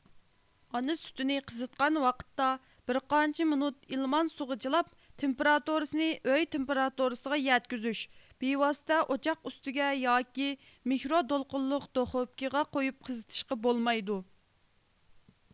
ئانا سۈتىنى قىزىتقان ۋاقىتتا بىرقانچە مىنۇت ئىلمان سۇغا چىلاپ تېمپېراتۇرىسىنى ئۆي تېمپېراتۇرىسىغا يەتكۈزۈش بىۋاسىتە ئوچاق ئۈستىگە ياكى مىكرو دولقۇنلۇق دوخۇپكىغا قويۇپ قىزىتىشقا بولمايدۇ